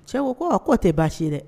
Cɛ ko ko k'o tɛ baasi ye dɛ